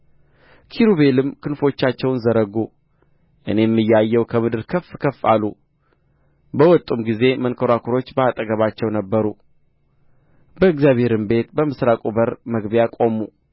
ኪሩቤልም ክንፎቻቸውን ዘረጉ እኔም እያየሁ ከምድር ከፍ ከፍ አሉ በወጡም ጊዜ መንኰራኵሮች በአጠገባቸው ነበሩ በእግዚአብሔርም ቤት በምሥራቁ በር መግቢያ ቆሙ